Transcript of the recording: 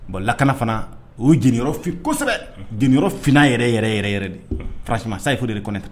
Bon lakana fana o ye jyɔrɔ f kosɛbɛ j yɔrɔ fna yɛrɛ yɛrɛ yɛrɛ de farasi ma sa ye f detɛ